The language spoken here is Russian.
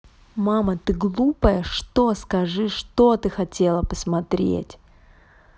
мама ты глупая что скажи что ты хотела посмотреть